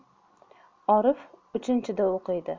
orif uchinchida o'qiydi